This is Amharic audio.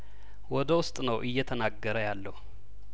ወደ ውስጥ ነው እየተናገረ ያለው